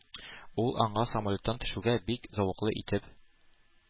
Ул аңа самолеттан төшүгә бик зәвыклы итеп